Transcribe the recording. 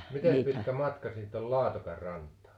mitenkäs pitkä matka sitten oli Laatokan rantaan